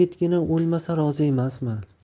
yigitgina o'lmasa rozi emasman